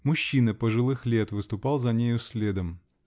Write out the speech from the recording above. Мужчина пожилых лет выступал за нею следом